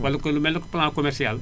wala comme comme lu mel ni plan commercial